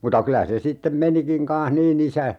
mutta kyllä se sitten menikin kanssa niin isä